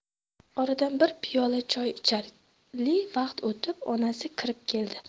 oradan bir piyola choy icharli vaqt o'tib onasi kirib keldi